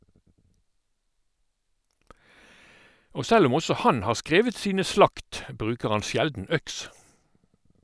Og selv om også han har skrevet sine slakt, bruker han sjelden øks.